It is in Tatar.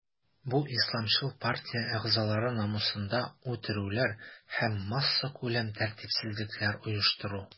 Бу исламчыл партия әгъзалары намусында үтерүләр һәм массакүләм тәртипсезлекләр оештыру.